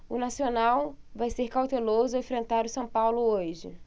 o nacional vai ser cauteloso ao enfrentar o são paulo hoje